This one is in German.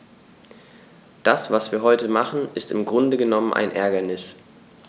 Das, was wir heute machen, ist im Grunde genommen ein Ärgernis.